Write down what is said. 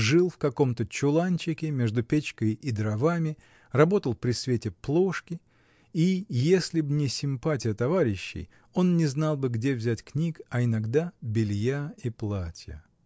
Жил в каком-то чуланчике, между печкой и дровами, работал при свете плошки, и если б не симпатия товарищей, он не знал бы, где взять книг, а иногда белья и платья.